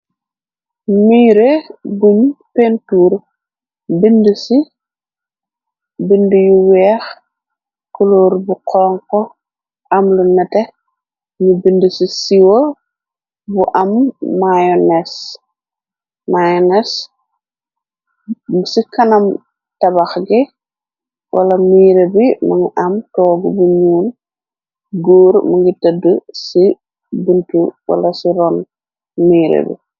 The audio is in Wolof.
Miire buñ pentuur, bind ci bind yu weex, kuloor bu xonko am lu nete, ñu bind ci siiwa bu am miones. Miones mu ci kanam tabax gi , wala miire bi mungi am toog bu ñuul, góor mungi tëdd ci binti wala ci ron miire bi.